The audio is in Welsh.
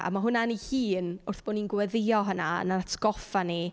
A ma' hwnna'n ei hun wrth bo' ni'n gweddïo hynna, yn ein atgoffa ni.